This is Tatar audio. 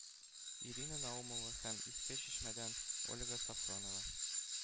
Ирина Наумова һәм Иске Чишмәдән Ольга Сафронова